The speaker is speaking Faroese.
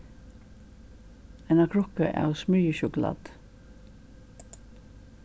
eina krukku av smyrjisjokulátu